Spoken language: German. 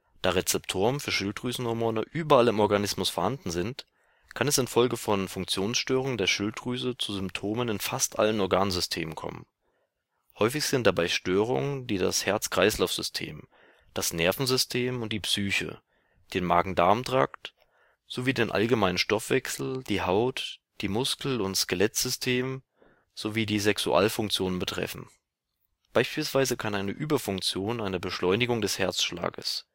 Da Rezeptoren für Schilddrüsenhormone überall im Organismus vorhanden sind, kann es infolge von Funktionsstörungen der Schilddrüse zu Symptomen in fast allen Organsystemen kommen. Häufig sind dabei Störungen, die das Herz-Kreislauf-System, das Nervensystem und die Psyche, den Magen-Darm-Trakt sowie den allgemeinen Stoffwechsel, die Haut, das Muskel - und Skelettsystem sowie die Sexualfunktionen betreffen. Beispielsweise kann eine Überfunktion eine Beschleunigung des Herzschlags